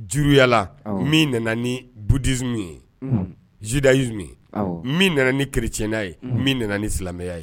Jiriyala min nana ni budzsumu ye jidayiz ye min nana ni kerecɛnina ye min nana ni silamɛya ye